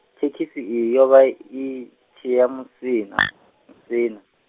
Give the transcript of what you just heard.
thekhisi iyi yo vha i tshiya Musina, -sina.